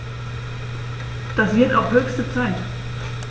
Das wird auch höchste Zeit!